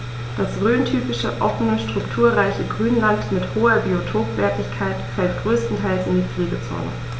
Das rhöntypische offene, strukturreiche Grünland mit hoher Biotopwertigkeit fällt größtenteils in die Pflegezone.